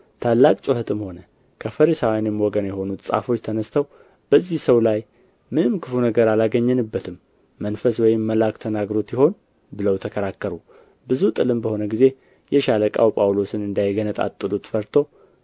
ታላቅ ጩኸትም ሆነ ከፈሪሳውያንም ወገን የሆኑት ጻፎች ተነሥተው በዚህ ሰው ላይ ምንም ክፉ ነገር አላገኘንበትም መንፈስ ወይስ መልአክ ተናግሮት ይሆን ብለው ተከራከሩ ብዙ ጥልም በሆነ ጊዜ የሻለቃው ጳውሎስን እንዳይገነጣጥሉት ፈርቶ